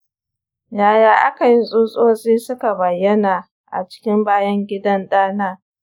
yaya aka yi tsutsotsi suka bayyana a cikin bayan-gidan ɗana?